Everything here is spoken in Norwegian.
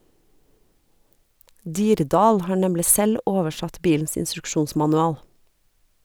Dirdal har nemlig selv oversatt bilens instruksjonsmanual.